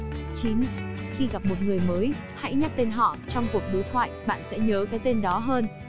khi gặp một người người mới hãy nhắc tên họ trong cuộc đối thoại bạn sẽ nhớ cái tên đó hơn